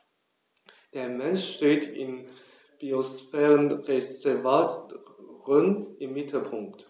Der Mensch steht im Biosphärenreservat Rhön im Mittelpunkt.